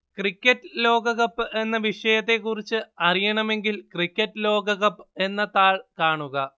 cricket ലോകകപ്പ് എന്ന വിഷയത്തെക്കുറിച്ച് അറിയണമെങ്കില്‍ ക്രിക്കറ്റ് ലോകകപ്പ് എന്ന താള്‍ കാണുക